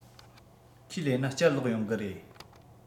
ཁས ལེན ན བསྐྱར ལོག ཡོང གི རེད